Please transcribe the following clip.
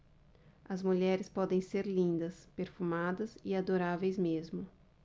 as mulheres podem ser lindas perfumadas e adoráveis mesmo